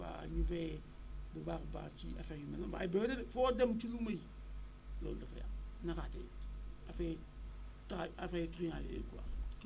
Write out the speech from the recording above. waaw ñu veiller bu baax a baax ci affaire yu mel waaye bëri na de foo dem ci luuma yi loolu daf fay am naxaatee ngi fi affaire tra affaire truand yooyu quoi